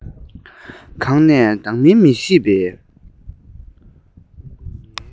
གང ནས ལྡང མིན མི ཤེས པའི